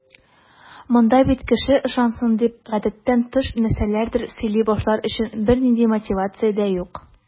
Монда бит кеше ышансын дип, гадәттән тыш нәрсәләрдер сөйли башлар өчен бернинди мотивация дә юк.